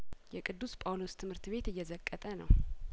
የቅዱስ ጳውሎስ ትምህርት ቤት እየዘቀጠ ነው